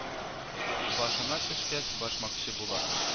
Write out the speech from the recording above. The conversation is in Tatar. Башыңа төшкәч башмакчы буласың